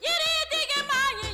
Teritigi